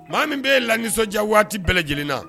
Maa min bɛ ye lagmi nisɔndiya waati bɛɛ lajɛlen na